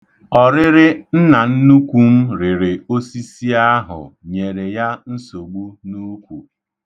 Ọrịrị nnannukwu m rịrị osisi ahụ nyere ya nsogbu n'ukwu.